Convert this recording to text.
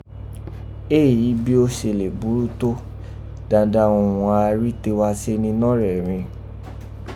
éè hí bí ó si lè burú tó, dadan òghun a ra rí tewa se nínọ́ rẹ̀ rin.